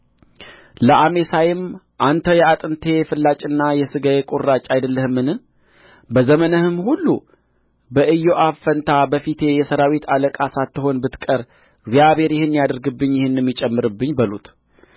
ለአሜሳይም አንተ የአጥንቴ ፍላጭና የሥጋዬ ቍራጭ አይደለህምን በዘመንህም ሁሉ በኢዮአብ ፋንታ በፊቴ የሠራዊት አለቃ ሳትሆን ብትቀር እግዚአብሔር ይህን ያድርግብኝ ይህንም ይጨምርብኝ በሉት